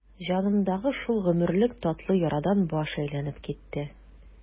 Җанымдагы шул гомерлек татлы ярадан баш әйләнеп китте.